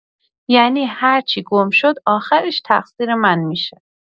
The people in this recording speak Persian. یعنی هرچی گم شد، آخرش تقصیر من می‌شه؟